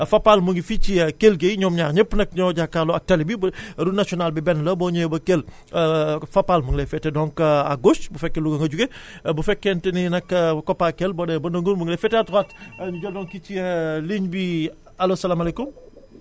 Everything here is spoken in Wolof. FAPAL mu ngi fii ci Kell Guèye ñoom ñaar ñëpp nag ñoo jàkkaarloo ak tali bi bu route nationale bi benn la boo ñëwee ba Kell FAPAL mu ngi leen féetee donc à gauche bu fekkee Louga nga jugee bu fekkente ni nag COPACEL boo demee ba Ndonguur mu ngi lay féetée à droite ñu jël donc ki ci ligne bi allo salaamaaleykum